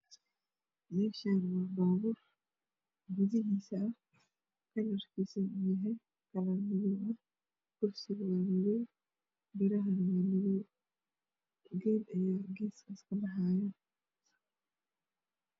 Meshani waa baboor gudihis ah kalarkis yahay kalar madow ah kursiga waa madow biraha waa madow geed aya geeskas kabaxayo